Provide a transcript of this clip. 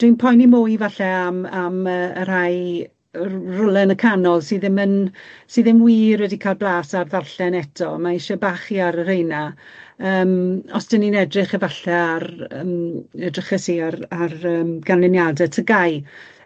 dwi'n poeni mwy falle am am yy y rhai yy rw- rwle yn y canol sydd ddim yn sydd ddim wir wedi ca'l blas ar ddarllen eto mae eisiau bachu ar y rheina yym os 'dan ni'n edrych efalle ar yym edryches i ar ar yym ganlyniade Tygau.